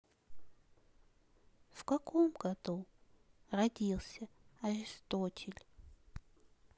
в каком году родился аристотель